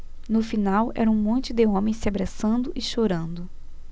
no final era um monte de homens se abraçando e chorando